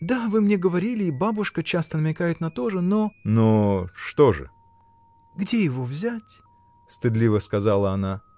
Да, вы мне говорили, и бабушка часто намекает на то же, но. — Но. что же? — Где его взять? — стыдливо сказала она.